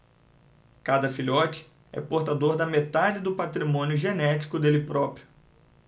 cada filhote é portador da metade do patrimônio genético dele próprio